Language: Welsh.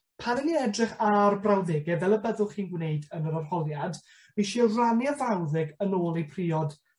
pan 'dyn ni'n edrych ar brawddege fel y byddwch chi'n gwneud yn yr arholiad